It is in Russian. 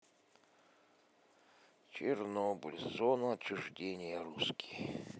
чернобыль зона отчуждения русский